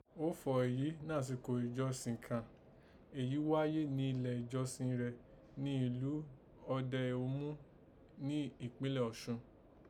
Ó fọ̀ èyí nàsìkò ìjọsìn kàn èyí gháyé ni ile ìjọsìn rẹ̀ ni ìlú ọdẹ Òmu ni ìkpínlẹ̀ Ọ̀sun